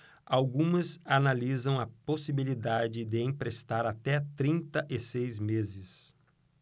algumas analisam a possibilidade de emprestar até trinta e seis meses